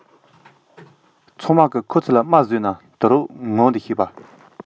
ཚངས པའི མཁུར ཚོས ལ རྨ བཟོས པ སོགས ད དུང ངོམས ཤིག